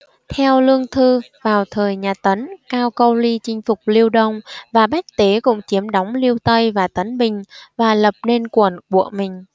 theo lương thư vào thời nhà tấn cao câu ly chinh phục liêu đông và bách tế cũng chiếm đóng liêu tây và tấn bình và lập nên quận của mình